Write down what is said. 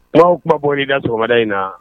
Kuma kuma bɔ da su sɔgɔmada in na